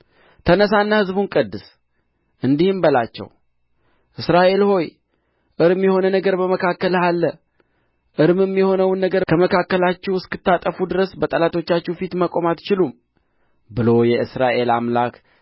ተነሣና ሕዝቡን ቀድስ እንዲህም በላቸው እስራኤል ሆይ እርም የሆነ ነገር በመካከልህ አለ እርምም የሆነውን ነገር ከመካከላችሁ እስክታጠፉ ድረስ በጠላቶቻችሁ ፊት መቆም አትችሉም ብሎ የእስራኤል አምላክ